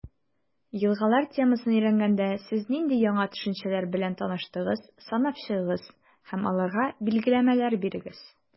«елгалар» темасын өйрәнгәндә, сез нинди яңа төшенчәләр белән таныштыгыз, санап чыгыгыз һәм аларга билгеләмәләр бирегез.